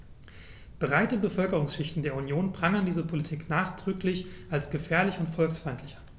Breite Bevölkerungsschichten der Union prangern diese Politik nachdrücklich als gefährlich und volksfeindlich an.